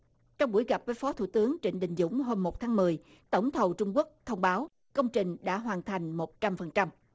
trong buổi gặp với phó thủ tướng trịnh đình dũng hôm một tháng mười tổng thầu trung quốc thông báo công trình đã hoàn thành một trăm phần trăm